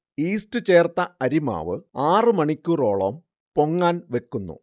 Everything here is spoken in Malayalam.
യീസ്റ്റ് ചേർത്ത അരിമാവ് ആറു മണിക്കൂറോളം പൊങ്ങാൻ വെക്കുന്നു